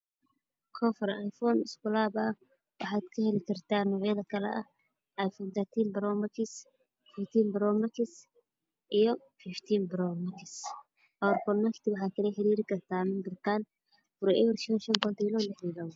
Kor ay fon iskulaab ah waxaa kaheli kartaa nuucyada kale ah ay foon daatiin baroomakis, ay foomfiftiin baroomakis waxaa kala xiriiri karaa lambaka 0610555262.